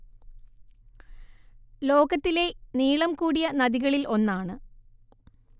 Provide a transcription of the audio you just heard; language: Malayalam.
ലോകത്തിലെ നീളം കൂടിയ നദികളിൽ ഒന്നാണ്